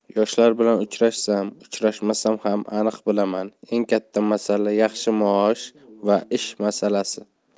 yoshlar bilan uchrashsam uchrashmasam aniq bilaman eng katta masala yaxshi maosh va ish masalasi